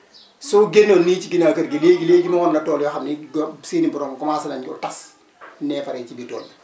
soo génnoon nii ci ginnaaw kër gi léegi-léegi ma wan la tool yoo xam ni gó seen i boromp commencé nañ ko tas neefare yi ci biir tool yi